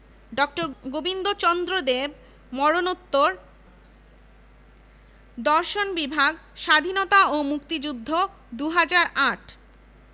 শহীদদের স্মরণে উৎসর্গকৃত সন্ত্রাসবিরোধী রাজু ভাস্কর্য যেটি১৯৯৭ সালে নির্মাণ করা হয় বাংলাদেশের মহান মুক্তিযুদ্ধ